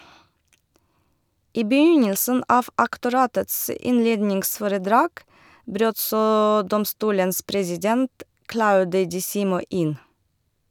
I begynnelsen av aktoratets innledningsforedrag brøt så domstolens president Claude Disimo inn.